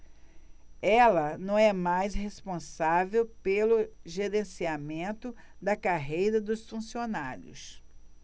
ela não é mais responsável pelo gerenciamento da carreira dos funcionários